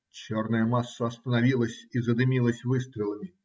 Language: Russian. Черная масса остановилась и задымилась выстрелами.